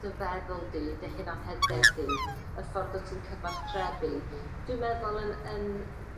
dy feddwl di dy hunanhyder di y ffordd wt ti'n cyfarthrebu dwi meddwl yn yn